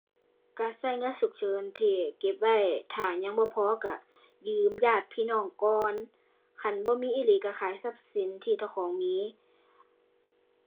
ก็ก็เงินฉุกเฉินที่เก็บไว้ถ้ายังบ่พอก็ยืมญาติพี่น้องก่อน คันบ่มีอีหลีก็ขายทรัพย์สินที่เจ้าของมี